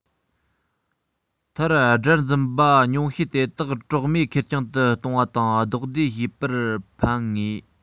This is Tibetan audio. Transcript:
མཐར དགྲར འཛིན པ ཉུང ཤོས དེ དག གྲོགས མེད ཁེར རྐྱང དུ གཏོང བ དང རྡུང རྡེག བྱེད པར ཕན ངེས